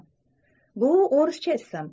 bu o'rischa ism